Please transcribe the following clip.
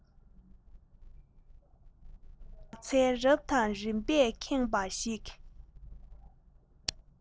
ནགས ཚལ རབ དང རིམ པས ཁེངས པ ཞིག